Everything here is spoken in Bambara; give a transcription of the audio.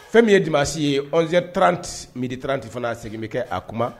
Fɛn min ye dimanche ye 11 heures 30, midi 30 fana segin bɛ kɛ a kuma